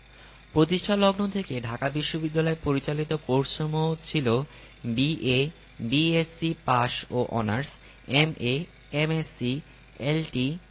প্রতিষ্ঠালগ্ন থেকে ঢাকা বিশ্ববিদ্যালয় পরিচালিত কোর্সসমূহ ছিল বি.এ বি.এসসি পাস ও অনার্স এম.এ এম.এসসি এল.টি